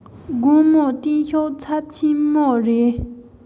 དགོང མོ བསྟན བཤུག ཚབས ཆེན མོ རེ